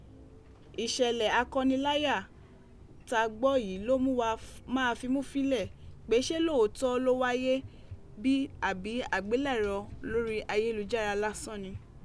Isẹlẹ akanilaya ta gbọ yii lo mu wa maa finnu finlẹ pe ṣe lootọ lo waye bi abi agbelẹrọ lori ayelujara lasan ni.